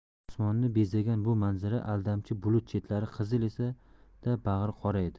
osmonni bezagan bu manzara aldamchi bulut chetlari qizil esa da bag'ri qora edi